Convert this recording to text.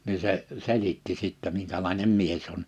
niin se selitti sitten minkälainen mies on